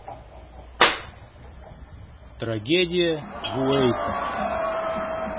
трагедия в уэйко